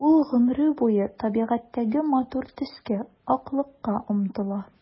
Ул гомере буе табигатьтәге матур төскә— аклыкка омтыла.